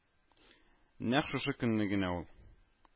Нәкъ шушы көнне генә ул